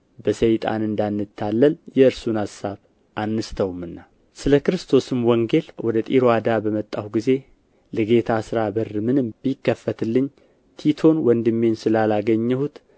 በሰይጣን እንዳንታለል የእርሱን አሳብ አንስተውምና ስለ ክርስቶስም ወንጌል ወደ ጢሮአዳ በመጣሁ ጊዜ ለጌታ ሥራ በር ምንም ቢከፈትልኝ ቲቶን ወንድሜን ስላላገኘሁት